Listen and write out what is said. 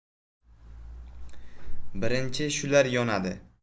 birinchi shular yonadi